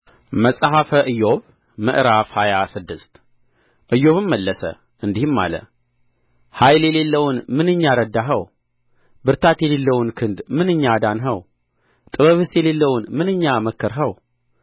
መጽሐፈ ኢዮብ ምዕራፍ ሃያ ስድስት ኢዮብም መለሰ እንዲህም አለ ኃይል የሌለውን ምንኛ ረዳኸው ብርታት የሌለውን ክንድ ምንኛ አዳንኸው ጥበብስ የሌለውን ምንኛ መከርኸው